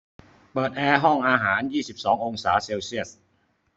เปิดแอร์ห้องอาหารยี่สิบสององศาเซลเซียส